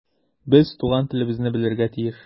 Без туган телебезне белергә тиеш.